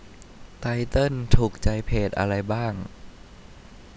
ไตเติ้ลถูกใจเพจอะไรบ้าง